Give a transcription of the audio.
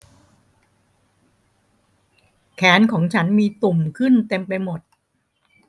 แขนของฉันมีตุ่มขึ้นเต็มไปหมด